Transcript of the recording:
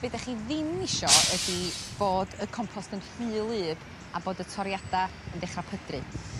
be' 'dach chi ddim isio ydi bod y compost yn rhy wlyb a bod y toriada yn dechra pydru.